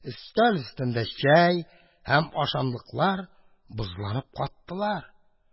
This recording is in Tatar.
Өстәл өстендә чәй һәм ашамлыклар бозланып каттылар.